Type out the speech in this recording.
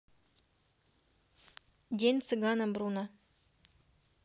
день цыгана бруно